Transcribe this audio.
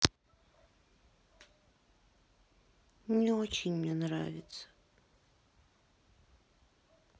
не очень мне нравится